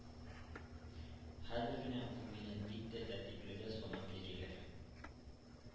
Хәзер генә ул мине бик тә тәртиплегә санап йөриләр.